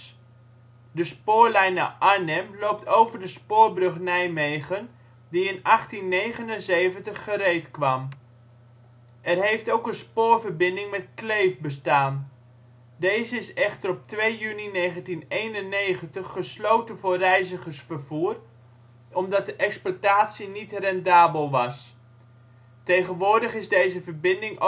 spoorlijn naar Arnhem loopt over de Spoorbrug Nijmegen, die in 1879 gereed kwam. Er heeft ook een spoorverbinding met Kleef bestaan. Deze is echter op 2 juni 1991 gesloten voor reizigersvervoer, omdat de exploitatie niet rendabel was. Tegenwoordig is deze verbinding